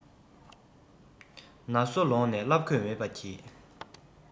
ན སོ ལོངས ནས བསླབས དགོས མེད པ གྱིས